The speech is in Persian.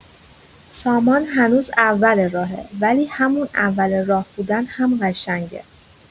سامان هنوز اول راهه، ولی همون اول راه بودن هم قشنگه.